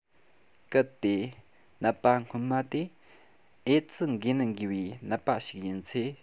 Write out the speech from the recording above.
གལ ཏེ ནད པ སྔོན མ དེ ཨེ ཙི འགོས ནད འགོས པའི ནད པ ཞིག ཡིན ཚེ